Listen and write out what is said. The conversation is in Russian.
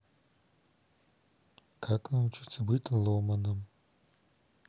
как научиться быть ломоном